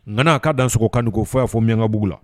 ŋana, k'a dansɔgɔ! K'a ni ko! Fo yan, fo miyankabugu la.